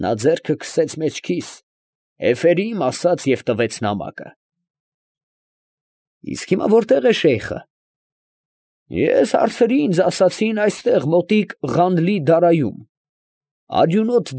Նա ձեռքը քսեց մեջքիս. էֆերի՜մ ասաց և տվեց նամակը։ ֊ Հիմա ո՞րտեղ է շեյխը։ ֊ Ես հարցրի, ինձ ասացին, այստեղ մոտիկ Ղանլի֊Դարայում (արյունոտ։